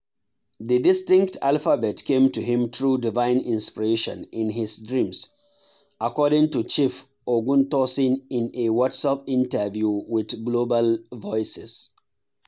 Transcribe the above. The distinct alphabet came to him through divine inspiration in his dreams, according to Chief Ògúntósìn in a Whatsapp interview with Global Voices.